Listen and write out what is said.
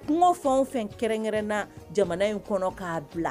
Kungo fɛn fɛn kɛrɛnkɛrɛnna jamana in kɔnɔ k'a bila